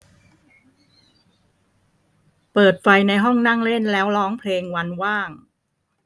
เปิดไฟในห้องนั่งเล่นแล้วร้องเพลงวันว่าง